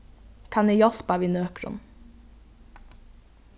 kann eg hjálpa við nøkrum